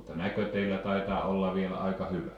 mutta näkö teillä taitaa olla vielä aika hyvä